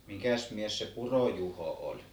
mikäs mies se Puro-Juho oli